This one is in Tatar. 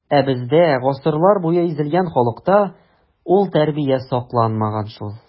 Ә бездә, гасырлар буе изелгән халыкта, ул тәрбия сакланмаган шул.